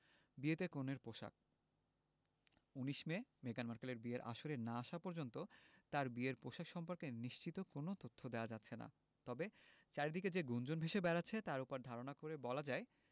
বিয়েতে কনের পোশাক ১৯ মে মেগান মার্কেলের বিয়ের আসরে না আসা পর্যন্ত তাঁর বিয়ের পোশাক সম্পর্কে নিশ্চিত কোনো তথ্য দেওয়া যাচ্ছে না তবে চারদিকে যে গুঞ্জন ভেসে বেড়াচ্ছে তার ওপর ধারণা করে বলা যায়